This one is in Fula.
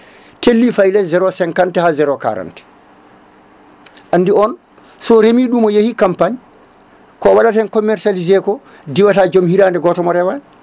telli faayi less 0 50 ha 0 40 andi on so reemi ɗum o yeehi campagne ko waɗata hen commercialisé ko diwata joom hirande goto mo remani